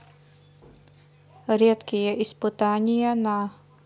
редкие испытания на